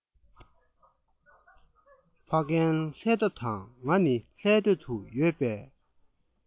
ཕ རྒན ལྷས འདབས དང ང ནི ལྷས སྟོད དུ ཡོད པས